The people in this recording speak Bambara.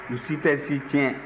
u si tɛ si tiɲɛ